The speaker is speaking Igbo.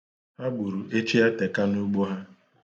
Ha gburu echieteka n'ugbo ha.